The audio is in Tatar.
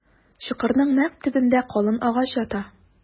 Чокырның нәкъ төбендә калын агач ята.